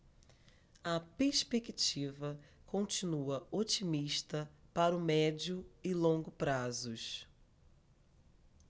a perspectiva continua otimista para o médio e longo prazos